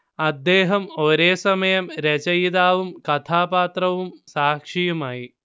അദ്ദേഹം ഒരേസമയം രചയിതാവും കഥാപാത്രവും സാക്ഷിയുമായി